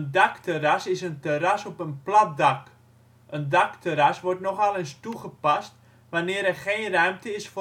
dakterras is een terras op een plat dak. Een dakterras wordt nog al eens toegepast wanneer er geen ruimte is